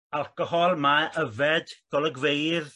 alcohol ma' yfed golygfeydd